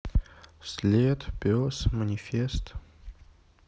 след пес манифест